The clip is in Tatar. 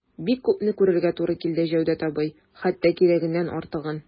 Бик күпне күрергә туры килде, Җәүдәт абый, хәтта кирәгеннән артыгын...